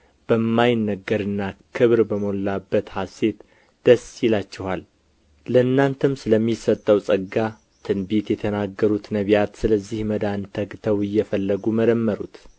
በማይነገርና ክብር በሞላበት ሐሤት ደስ ይላችኋል ለእናንተም ስለሚሰጠው ጸጋ ትንቢት የተናገሩት ነቢያት ስለዚህ መዳን ተግተው እየፈለጉ መረመሩት